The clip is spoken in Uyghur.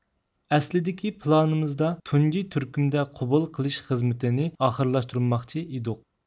ئەسلىدىكى پىلانىمىزدا تۇنجى تۈركۈمدە قوبۇل قىلىش خىزمىتىنى ئاخىرلاشتۇرماقچى ئىدۇق